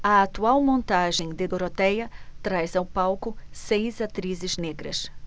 a atual montagem de dorotéia traz ao palco seis atrizes negras